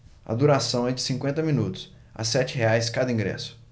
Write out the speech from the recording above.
a duração é de cinquenta minutos a sete reais cada ingresso